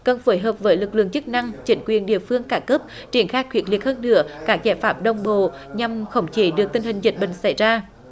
cần phối hợp với lực lượng chức năng chính quyền địa phương các cấp triển khai quyết liệt hơn nữa các giải pháp đồng bộ nhằm khống chế được tình hình dịch bệnh xảy ra